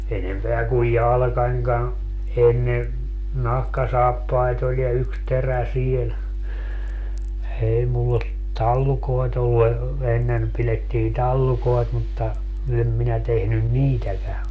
enempää kuin jalkanikaan ennen nahkasaappaita oli ja yksi terä siellä ei minulla ole tallukoita ollut - ennen pidettiin tallukoita mutta en minä tehnyt niitäkään